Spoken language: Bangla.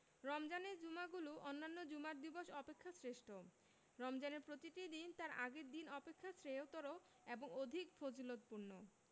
রমজানের জুমাগুলো অন্যান্য জুমার দিবস অপেক্ষা শ্রেষ্ঠ রমজানের প্রতিটি দিন তার আগের দিন অপেক্ষা শ্রেয়তর এবং অধিক ফজিলতপূর্ণ